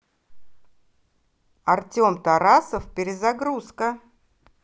артем тарасов перезагрузка